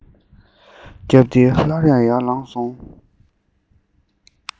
བརྒྱབ སྟེ སླར ཡང ཡར ལངས སོང